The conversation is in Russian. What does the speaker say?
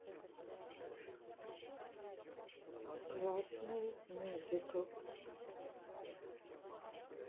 классный мюзикл